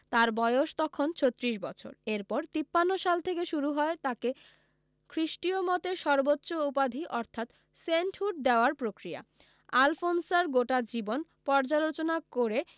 তাঁর বয়স তখন ছত্রিশ বছর এরপর তিপান্ন সাল থেকে শুরু হয় তাঁকে খীষ্টীয় মতে সর্বোচ্চ উপাধি অর্থাৎ সেন্টহুড দেওয়ার প্রক্রিয়া আলফোনসার গোটা জীবন পর্যালোচনা করে